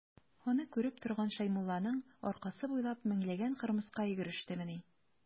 Аны күреп торган Шәймулланың аркасы буйлап меңләгән кырмыска йөгерештемени.